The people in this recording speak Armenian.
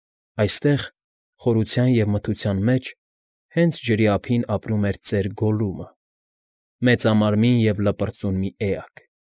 Այստեղ խորության և մթության մեջ, հենց ջրի ափին ապրում էր ծեր Գոլլումը՝ մեծամարմին և լպրծուն մի էակ։